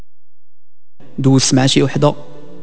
بوس ماشي وحده